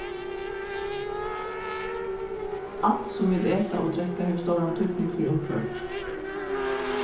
alt sum vit eta og drekka hevur stóran týdning fyri umhvørvið